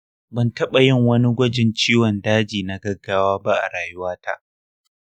ban taɓa yin wani gwajin ciwon daji na gaggawa ba a rayuwata